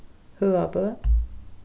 høgabø